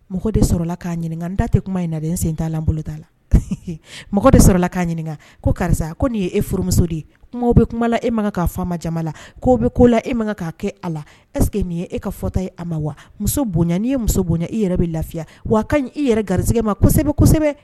Mɔgɔ de k'a ɲininka n da tɛ kuma in naden sen t' bolo t'a la mɔgɔ de sɔrɔlala k'a ɲininka ko karisa ko nin ye e furumuso de ye bɛ kuma e ma k'a jama la ko bɛ ko la e ma ka'a kɛ a la eseke nin ye e ka fɔta ye a ma wa muso bonya n'i ye muso bonya i yɛrɛ bɛ lafiya wa ka ɲi i yɛrɛ garigɛ masɛbɛsɛbɛ